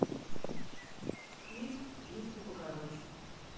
клип юбку покороче